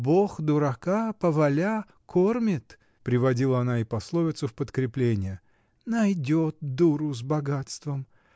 “Бог дурака, поваля, кормит!” — приводила она и пословицу в подкрепление, — найдет дуру с богатством!